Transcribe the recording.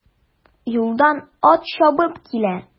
Юлдан ат чабып килә.